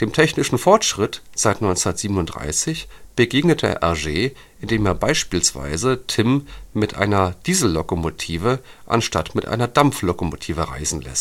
technischen Fortschritt seit 1937 begegnete Hergé, indem er beispielsweise Tim mit einer Diesellokomotive anstatt mit einer Dampflokomotive reisen